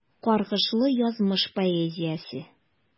Каргышлы язмыш поэзиясе.